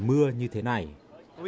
mưa như thế này